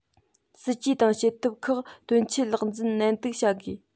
སྲིད ཇུས དང བྱེད ཐབས ཁག དོན འཁྱོལ ལེགས འཛིན ཏན ཏིག བྱ དགོས